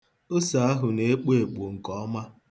Ose ahụ na-ekpo ekpo nke ọma.